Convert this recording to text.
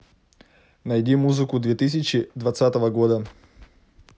найди музыку две тысячи двадцатого года